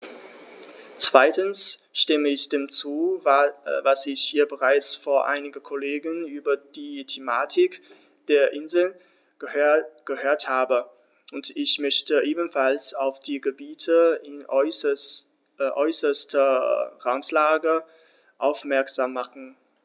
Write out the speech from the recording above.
Zweitens stimme ich dem zu, was ich hier bereits von einem Kollegen über die Thematik der Inseln gehört habe, und ich möchte ebenfalls auf die Gebiete in äußerster Randlage aufmerksam machen.